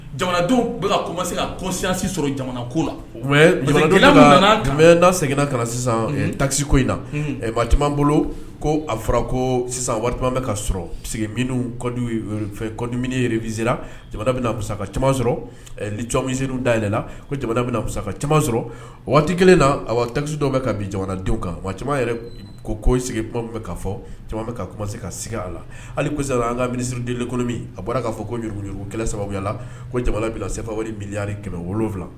Jamanadenw bɛ ka kumase ka kosisi sɔrɔ jamana ko la seginnana ka na sisan tasi ko in na caman bolo ko a fɔra ko sisan waati bɛ ka sɔrɔ minnudze jamanasa ka sɔrɔlic dayɛlɛnla jamana bɛna ka sɔrɔ waati kelen na a takisi dɔw bɛ ka jamanadenw kan wa caman yɛrɛ ko ko sigikuma fɔse ka sigi a la ali ko sera an ka minisiridenlen kɔnɔ min a bɔra' fɔ sababu la jamana sefa mi kɛmɛ wolonwula